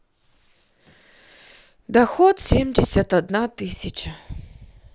доход семьдесят одна тысяча